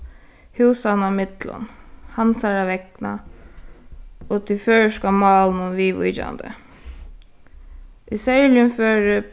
húsanna millum hansara vegna og tí føroyska málinum viðvíkjandi í serligum føri